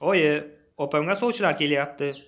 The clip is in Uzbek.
oyi opamga sovchilar kelyapti